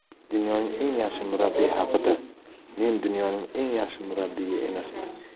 dunyoning eng yaxshi murabbiyi haqidamen dunyoning eng yaxshi murabbiyi emasman